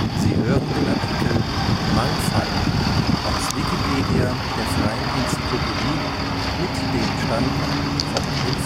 Sie hören den Artikel Mangfall, aus Wikipedia, der freien Enzyklopädie. Mit dem Stand vom Der